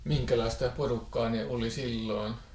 minkälaista porukkaa ne oli silloin